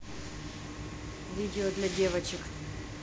видео для девочек